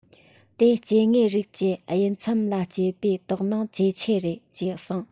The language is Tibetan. དེ སྐྱེ དངོས རིགས ཀྱི དབྱེ མཚམས ལ སྐྱེས བའི དོགས སྣང ཇེ ཆེ རེད ཅེས གསུངས